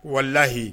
Walahi